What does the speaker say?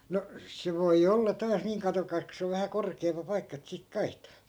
no se voi olla taas niin katsokaas kun se on vähän korkeampi paikka että sitten kaihtaa